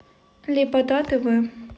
лепота тв